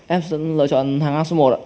em xin lựa chọn hàng ngang số một ạ